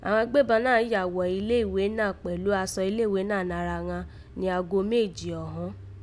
Àghan agbéban náà ya wọ̀ ilé ìwé náà kpẹ̀lú asọ ilé ìwé náà nara ghan ní aago méjì ọ̀họ́n.